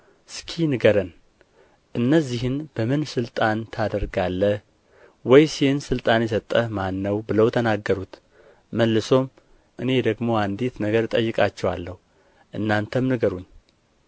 እስኪ ንገረን እነዚህን በምን ሥልጣን ታደርጋለህ ወይስ ይህን ሥልጣን የሰጠህ ማን ነው ብለው ተናገሩት መልሶም እኔ ደግሞ አንዲት ነገር እጠይቃችኋለሁ እናንተም ንገሩኝ